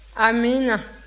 amiina